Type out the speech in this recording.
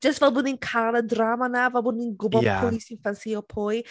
Jyst fel bod ni'n cael y drama 'na. Fel bod ni'n gwybod... ie... pwy sy'n ffansio pwy.